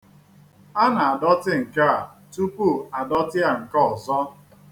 A na-adọtị nke a tupu a dọtịa nke ọzọ.